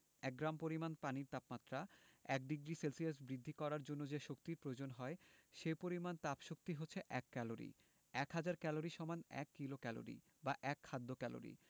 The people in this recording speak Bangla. এক গ্রাম পরিমাণ পানির তাপমাত্রা ১ ডিগ্রি সেলসিয়াস বৃদ্ধি করার জন্য যে শক্তির প্রয়োজন হয় সে পরিমাণ তাপশক্তি হচ্ছে এক ক্যালরি এক হাজার ক্যালরি সমান এক কিলোক্যালরি বা এক খাদ্য ক্যালরি